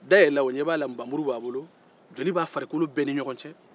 da yɛlɛ la o ɲɛ b'a la nbamuru b'a bolo joli b'a firikolo bɛɛ ni ɲɔgɔn cɛ